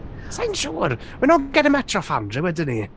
Sa i’n siŵr! We’re not getting much off Andrew, ydyn ni?